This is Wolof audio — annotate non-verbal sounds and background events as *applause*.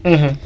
*hesitation* *hesitation*